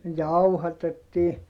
jauhatettiin